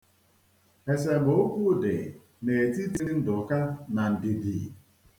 Esemokwu dị n'etiti Ndụka na Ndidi.